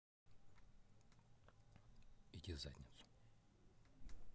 иди в задницу